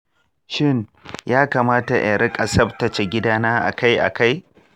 shin ya kamata in rika tsaftace gidana akai-akai?